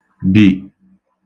bì